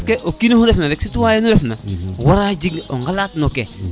parce que okino xu refna rek citoyen nu ref na wara jeg o ŋalat no ke